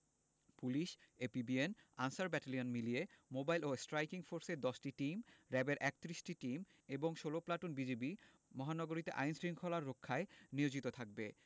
police APBN Ansar battalion মিলিয়ে mobile ও striking ফোর্সের ১০টি টিম র ্যাবের ৩১টি টিম এবং ১৬ প্লাটুন বিজিবি মহানগরীতে আইন শৃঙ্খলা রক্ষায় নিয়োজিত থাকবে